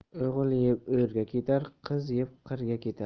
o'g'il yeb o'rga ketar qiz yeb qirga ketar